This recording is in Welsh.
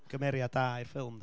Cymeriad da i'r ffilm, de.